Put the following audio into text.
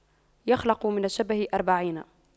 يخلق من الشبه أربعين